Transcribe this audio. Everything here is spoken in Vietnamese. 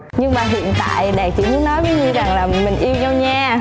nhưng mà hiện tại đạt chỉ muốn nói với nhi rằng là mình yêu nhau nha